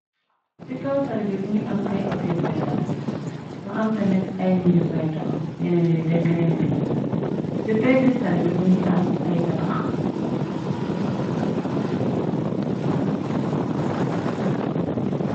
Ci kaw tali bi mi ngi am ay ato yu fay dam mu am tamit ay ñin ñu fay dox ñeneeni di dem ñeneeni di njom ci pegg tali bi mi ngi am ay tabax.